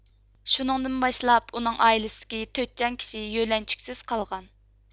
شۇنىڭدىن باشلاپ ئۇنىڭ ئائىلىسىدىكى تۆت جان كىشى يۆلەنچۈكسىز قالغان